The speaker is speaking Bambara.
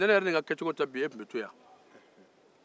ni ne yɛrɛ ni n ka kɛcogo tɛ bi e tun be to yan